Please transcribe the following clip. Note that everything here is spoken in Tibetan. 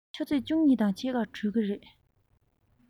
ཆུ ཚོད བཅུ གཉིས དང ཕྱེད ཀར གྲོལ གྱི རེད